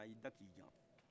a y' i da k' i jan